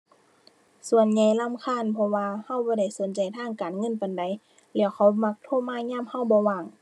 ส่วนใหญ่รำคาญ เพราะว่าเราบ่ได้สนใจทางการเงินปานใด แล้วเขามักโทรมายามเราบ่ว่าง